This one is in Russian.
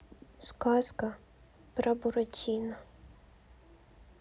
сказка про буратино